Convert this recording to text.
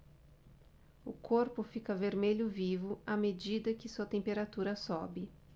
o corpo fica vermelho vivo à medida que sua temperatura sobe